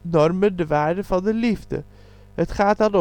normen de waarde van de liefde. Het gaat